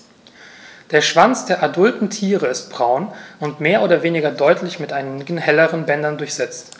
Der Schwanz der adulten Tiere ist braun und mehr oder weniger deutlich mit einigen helleren Bändern durchsetzt.